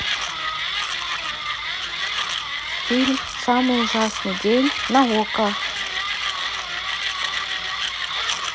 фильм самый ужасный день на okko